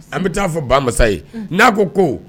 An bɛ taa fɔ Ba masa ye, un, n'a ko ko.